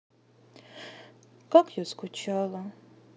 как я скучала